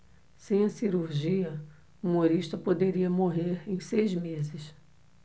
sem a cirurgia humorista poderia morrer em seis meses